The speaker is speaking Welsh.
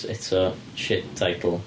Eto, shit title.